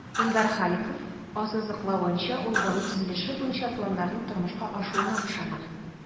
Илдар Халиков ассызыклавынча, ул завод төзелеше буенча планнарның тормышка ашуына ышана.